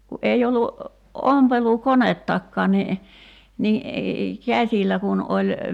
kun ei ollut ompelukonettakaan niin niin käsillä kun oli